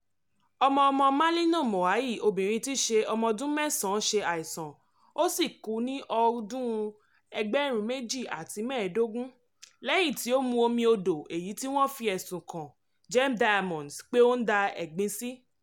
Ọmọ-ọmọ Malineo Moahi obìnrin tí í ṣe ọmọ ọdún mẹ́sàn-án ṣe àìsàn ó sì kú ní ọdún 2015 lẹ́yìn tí ó mu omi odò èyí tí wọ́n fi ẹ̀sùn kan Gem Diamonds pé ó ń dá ẹ̀gbin sí.